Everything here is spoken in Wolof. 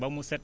ba mu set